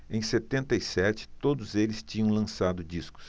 em setenta e sete todos eles tinham lançado discos